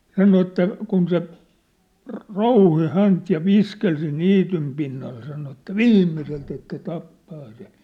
sanoi että kun se - rouhi häntä ja viskeli siinä niityn pinnalla sanoi että viimeiseltä että tappaa se